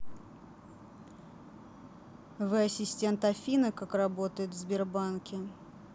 вы ассистент афина как работает в сбербанке